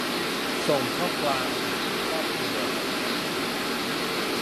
ส่งข้อความหาครอบครัวของฉัน